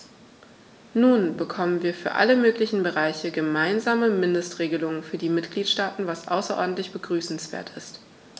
Nun bekommen wir für alle möglichen Bereiche gemeinsame Mindestregelungen für die Mitgliedstaaten, was außerordentlich begrüßenswert ist.